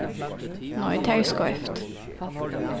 nei tað er skeivt